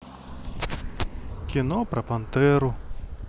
кино про пантеру